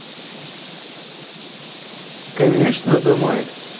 конечно домой